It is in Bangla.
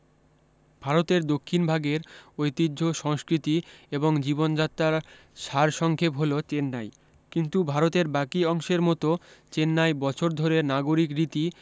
ভারতের দক্ষিণভাগের ঐতিহ্য সংস্কৃতি এবং জীবনযাত্রার সারসংক্ষেপ হল চেন্নাই কিন্তু ভারতের বাকী অংশের মত চেন্নাই বছর ধরে নাগরিক রীতি